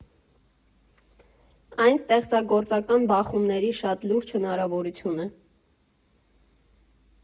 Այն ստեղծագործական բախումների շատ լուրջ հնարավորություն է։